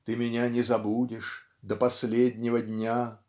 Ты меня не забудешь До последнего дня.